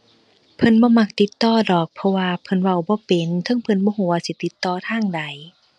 เพิ่นบ่มักติดต่อดอก เพราะว่าเพิ่นเว้าบ่เป็น เทิงเพิ่นบ่รู้ว่าสิติดต่อทางใด